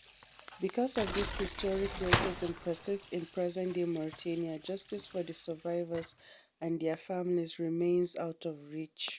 Because this historic racism persists in present-day Mauritania, justice for the survivors and their families remains out of reach.